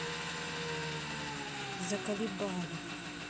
заколебали